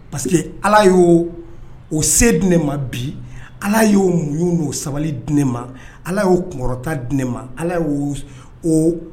Parce que ala y'o o se di ne ma bi ala y'o muɲ n'o sabali di ne ma ala y'o kunta di ne ma ala y'o